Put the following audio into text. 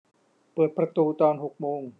เปิดประตูตอนหกโมง